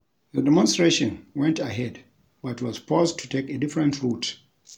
The demonstration went ahead but was forced to take a different route.